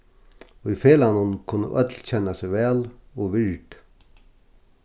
í felagnum kunnu øll kenna seg væl og vird